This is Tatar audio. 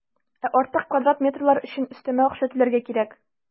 Ә артык квадрат метрлар өчен өстәмә акча түләргә кирәк.